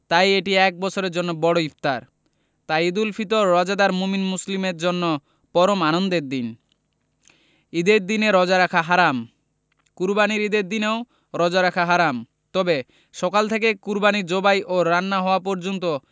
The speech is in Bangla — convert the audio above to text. তাই এটি এক বছরের জন্য বড় ইফতার তাই ঈদুল ফিতর রোজাদার মোমিন মুসলিমের জন্য পরম আনন্দের দিন ঈদের দিনে রোজা রাখা হারাম কোরবানির ঈদের দিনেও রোজা রাখা হারাম তবে সকাল থেকে কোরবানি জবাই ও রান্না হওয়া পর্যন্ত